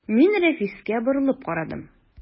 Мин Рафиска борылып карадым.